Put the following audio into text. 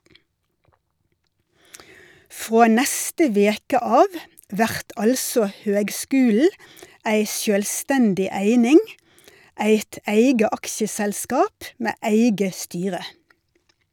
Frå neste veke av vert altså høgskulen ei sjølvstendig eining, eit eige aksjeselskap med eige styre.